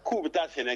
K'u bɛ taa sɛnɛ